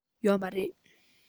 ཡོད མ རེད